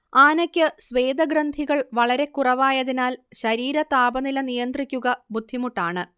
ആനയ്ക്ക് സ്വേദഗ്രന്ഥികൾ വളരെക്കുറവായതിനാൽ ശരീരതാപനില നിയന്ത്രിക്കുക ബുദ്ധിമുട്ടാണ്